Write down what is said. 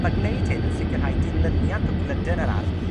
Ma' gwneud hyn yn sicirhau dilyniant o gnyde'n yr ardd